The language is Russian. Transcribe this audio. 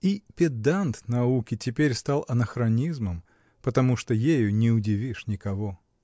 И педант науки — теперь стал анахронизмом, потому что ею не удивишь никого.